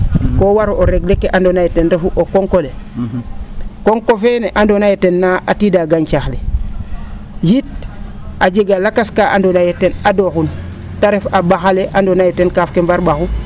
koo waro o regler kee andoona yee ten refu o ko?ko le ko?ko feene andoona yee ten naa a tiida gañcax le yit a jega lakas kaa andoona yee ten adooxun ta ref a ?ax ale andoona yee ten kaaf ke mbar ?axu